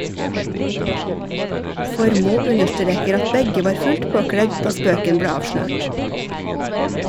Formoe understreker at begge var fullt påkledd da spøken ble avslørt.